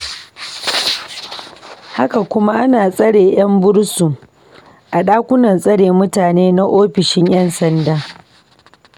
Haka kuma ana tsare yan bursu a dakunan tsare mutane na ofishin yan sanda.